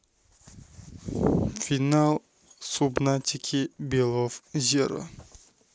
final субнатики below zero